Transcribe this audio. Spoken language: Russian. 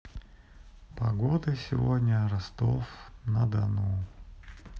погода сегодня ростов на дону